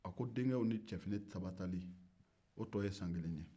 a ko denkɛw ni cɛfini saba tali o tɔ ye san kelen ye